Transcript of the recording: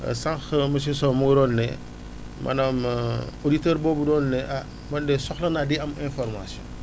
sànq monsieur Sow mu ngi doon ne maanaam auditeur boobu doon ne ah man de soxla naa di am information